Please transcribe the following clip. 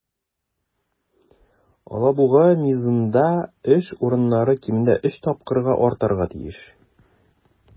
"алабуга" мизында эш урыннары кимендә өч тапкырга артарга тиеш.